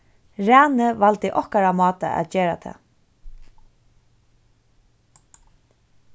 rani valdi okkara máta at gera tað